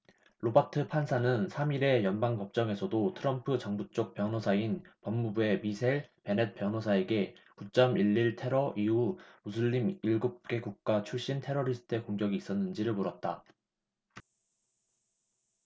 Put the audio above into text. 로바트 판사는 삼 일의 연방법정에서도 트럼프 정부쪽 변호사인 법무부의 미셀 베넷 변호사에게 구 쩜 일 일 테러 이후 무슬림 일곱 개국가 출신 테러리스트의 공격이 있었는지를 물었다